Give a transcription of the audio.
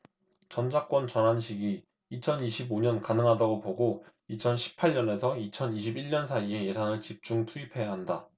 전작권 전환 시기 이천 이십 오 년 가능하다고 보고 이천 십 팔 에서 이천 이십 일 년 사이에 예산을 집중 투입해야 한다